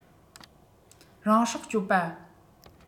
རང སྲོག གཅོད པ